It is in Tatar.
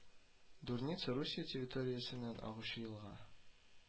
Дурница Русия территориясеннән агучы елга